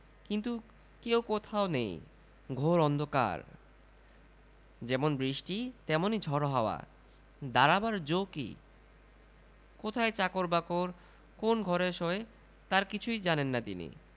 কিন্তু কেউ কোথাও নেই ঘোর অন্ধকার যেমন বৃষ্টি তেমনি ঝড়ো হাওয়া দাঁড়াবার জো কি কোথায় চাকর বাকর কোন্ ঘরে শোয় তারা কিছুই জানেন না তিনি